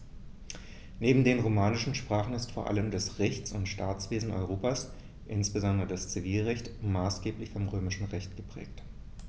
Neben den romanischen Sprachen ist vor allem das Rechts- und Staatswesen Europas, insbesondere das Zivilrecht, maßgeblich vom Römischen Recht geprägt.